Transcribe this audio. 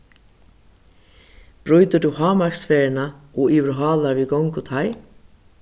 brýtur tú hámarksferðina og yvirhálar við gonguteig